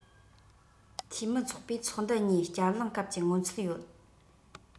འཐུས མི ཚོགས པས ཚོགས འདུ གཉིས བསྐྱར གླེང སྐབས ཀྱི མངོན ཚུལ ཡོད